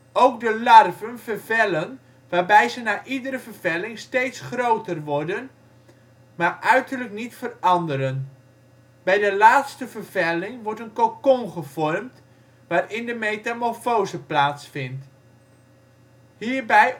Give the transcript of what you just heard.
de larven vervellen waarbij ze na iedere vervelling steeds groter worden maar uiterlijk niet veranderen. Bij de laatste vervelling wordt een cocon gevormd waarin de metamorfose plaatsvindt. Hierbij